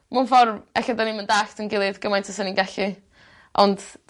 mewn ffor' elle bo' ni'm yn dallt 'yn gilydd gymaint o san ni'n gallu ond